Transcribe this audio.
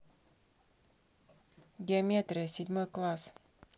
геометрия седьмой класс